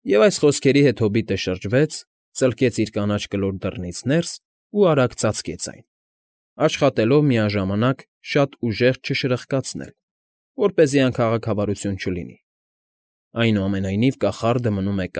Եվ այս խոսքերի հետ հոբիտը շրջվեց, ծլկեց իր կանաչ կլոր դռնից ներս ու արագ ծածկեց այն, աշխատելով միաժամանակ շատ ուժեղ չշրխկացնել, որպեսզի անքաղաքավարություն չլինի. այնուամենայնիվ կախարդը մնում է։